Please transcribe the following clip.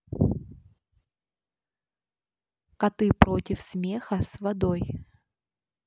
коты против смеха с водой